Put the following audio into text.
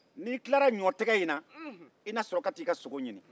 n'i tilala ɲɔtigɛ in na i na sɔrɔ ka taa i ka sogo ɲinin